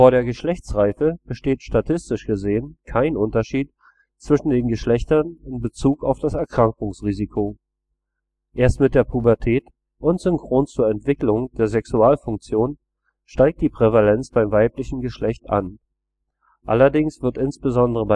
der Geschlechtsreife besteht statistisch gesehen kein Unterschied zwischen den Geschlechtern in Bezug auf das Erkrankungsrisiko. Erst mit der Pubertät und synchron zur Entwicklung der Sexualfunktion steigt die Prävalenz beim weiblichen Geschlecht an. Allerdings wird insbesondere